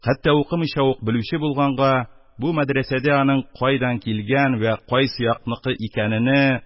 Хәтта укымыйча ук белүче булганга, бу мәдрәсәдә аның кайдан килгән вә кайсы якныкы икәнене